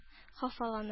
Хафаланып